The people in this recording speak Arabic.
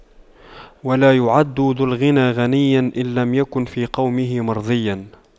ولا يعد ذو الغنى غنيا إن لم يكن في قومه مرضيا